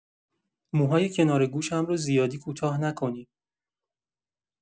موهای کنار گوشم رو زیادی کوتاه نکنی.